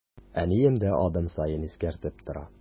Әнием дә адым саен искәртеп тора.